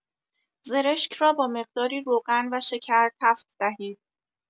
زرشک را با مقداری روغن و شکر تفت دهید.